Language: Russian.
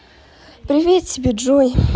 привет тебе джой